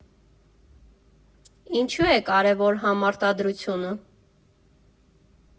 Ինչու է կարևոր համարտադրությունը։